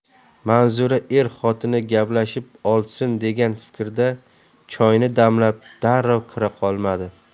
manzura er xotin gaplashib olsin degan fikrda choyni damlab darrov kira qolmadi